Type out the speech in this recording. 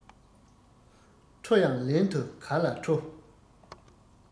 ཁྲོ ཡང ལན དུ ག ལ ཁྲོ